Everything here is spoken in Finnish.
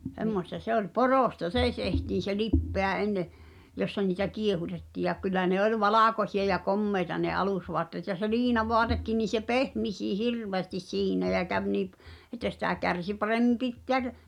semmoista se oli poroista se tehtiin se lipeä ennen jossa niitä kiehutettiin ja kyllä ne oli valkoisia ja komeita ne alusvaatteet ja se liinavaatekin niin se pehmisikin hirveästi siinä ja kävi niin - että sitä kärsi paremmin pitää -